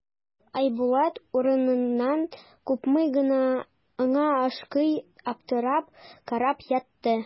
Айбулат, урыныннан купмый гына, аңа шактый аптырап карап ятты.